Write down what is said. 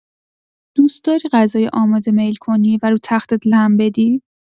دوست‌داری غذای آماده میل کنی و رو تختت لم بدی؟